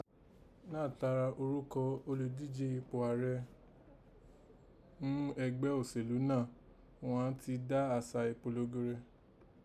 Nàtara orúkọ olùdíje ipò Ààrẹ ghún ẹgbẹ́ òsèlú náà òghun àán ti dá àsà ìpolongo rẹ̀